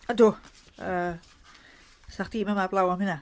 Ydw yy 'sa chdi'm yma heblaw am hynna.